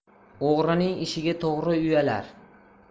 o'g'rining ishiga to'g'ri uyalar